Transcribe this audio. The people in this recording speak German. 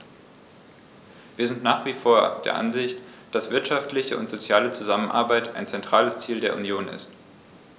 Wir sind nach wie vor der Ansicht, dass der wirtschaftliche und soziale Zusammenhalt ein zentrales Ziel der Union ist.